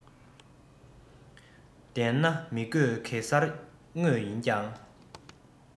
འདན ན མི དགོས གེ སར དངོས ཡིན ཀྱང